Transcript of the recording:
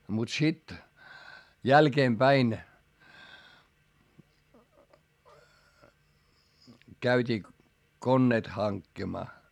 mutta sitten jälkeenpäin käytiin koneet hankkimaan